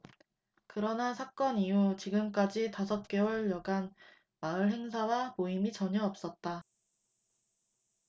그러나 사건 이후 지금까지 다섯 개월여간 마을 행사와 모임이 전혀 없었다